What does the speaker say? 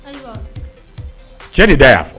Cɛ ni da y'a